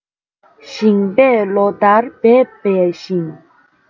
ཞིང པས ལོ ཟླར འབད པའི ཞིང